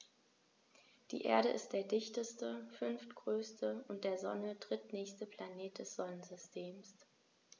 Die Erde ist der dichteste, fünftgrößte und der Sonne drittnächste Planet des Sonnensystems.